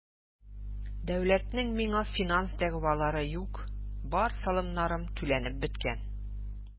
Дәүләтнең миңа финанс дәгъвалары юк, бар салымнарым түләнеп беткән.